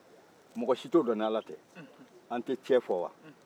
an tɛ cɛ fɔ wa cɛ ye dɔɔnin ye